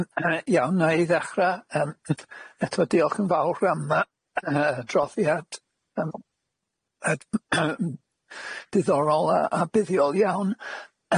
Hmm yym yy iawn wna i ddechra yym yy eto diolch yn fawr am yy adroddiad yym yy diddorol a a buddiol iawn.